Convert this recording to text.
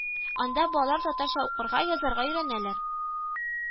Анда балалар татарча укырга, язарга өйрәнәләр